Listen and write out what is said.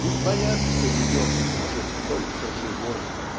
Ведь бояться ее может только живой